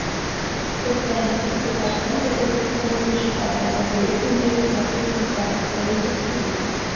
«социалистик татарстан» газетасының ул чаклардагы бүлек мөдире фатыйх мөсәгыйтов сөйли.